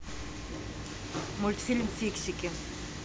мультфильм фиксики